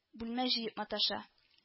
Бүлмә җыеп маташа